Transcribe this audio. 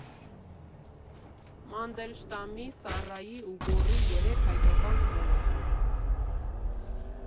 Մանդելշտամի, Սառայի ու Գոռի երեք հայկական օրը։